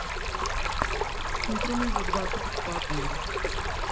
Խնդրում է հոդվածում չպատմել.